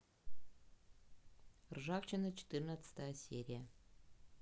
ржавчина четырнадцатая серия